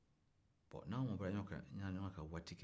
bon ni aw mabɔra ɲɔgɔnna ka waati kɛ